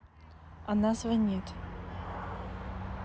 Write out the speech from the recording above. она звонит